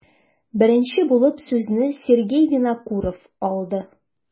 Беренче булып сүзне Сергей Винокуров алды.